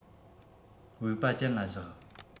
བུག པ ཅན ལ བཞག